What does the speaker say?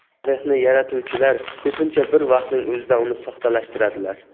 tarixni yaratuvchilar ko'pincha bir vaqtning o'zida uni soxtalashtiradilar